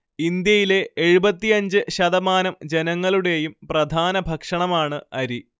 ഇന്ത്യയിലെ എഴുപത്തിയഞ്ച് ശതമാനം ജനങ്ങളുടേയും പ്രധാന ഭക്ഷണമാണ്‌ അരി